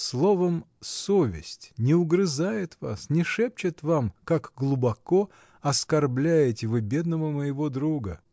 — Словом — совесть не угрызает вас, не шепчет вам, как глубоко оскорбляете вы бедного моего друга.